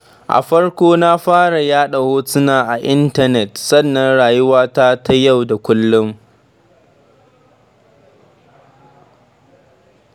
A farko, na fara yaɗa hotuna a intanet sannan rayuwata ta yau da kullum.